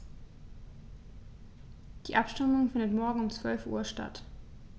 Die Abstimmung findet morgen um 12.00 Uhr statt.